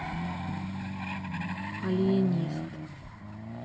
алиенист